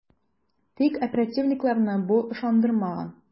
Тик оперативникларны бу ышандырмаган ..